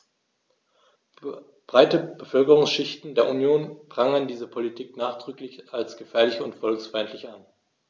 Breite Bevölkerungsschichten der Union prangern diese Politik nachdrücklich als gefährlich und volksfeindlich an.